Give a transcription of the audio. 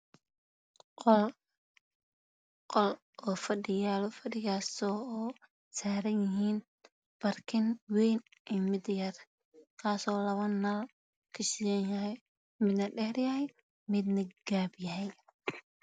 Qol oo fadhi yaalo oo saran yihin barking wayn iyo mid taaso labo nooc mid iyo mid dhere